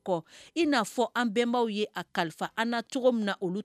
Fɔ an bɛn an cogo min